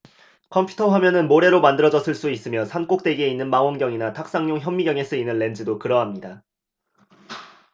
컴퓨터 화면은 모래로 만들어졌을 수 있으며 산꼭대기에 있는 망원경이나 탁상용 현미경에 쓰이는 렌즈도 그러합니다